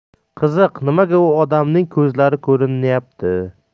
qizik nimaga u odamning ko'zlari kurinayapti